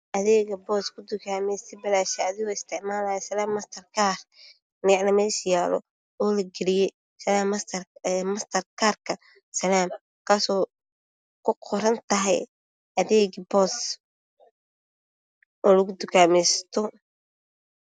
Niiclo meesha yaalo oo lagali yay kaarka salaam Bank